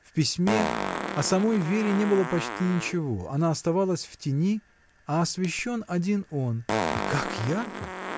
В письме о самой Вере не было почти ничего: она оставалась в тени, а освещен один он — и как ярко!